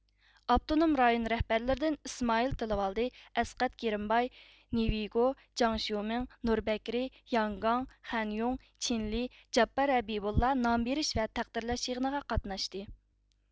ئاپتونوم رايون رەھبەرلىرىدىن ئىسمائىل تىلىۋالدى ئەسقەت كىرىمباي نىۋېيگو جاڭ شيۇمىڭ نۇر بەكرى ياڭگاڭ خەنيوڭ چېن لېي جاپپار ھەبىبۇللا نام بېرىش ۋە تەقدىرلەش يىغىنىغا قاتناشتى